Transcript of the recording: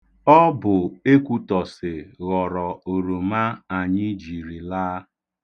Ọ bụ Ekwutọsị ghọrọ oroma anyị jiri laa.